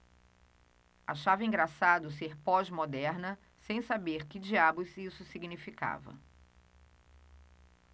achava engraçado ser pós-moderna sem saber que diabos isso significava